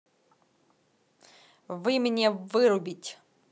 вы мне вырубить